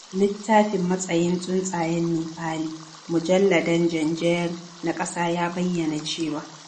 Littafin Matsayin Tsuntsayen Nepali: Mujalladan Jan Jeri Na ƙasa ya bayyana cewa: